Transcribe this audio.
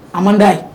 A man da ye